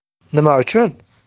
nima uchun